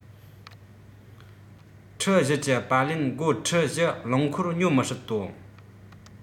ཁྲི ༤ ཀྱི པར ལེན སྒོར ཁྲི ༤ རླངས འཁོར ཉོ མི སྲིད དོ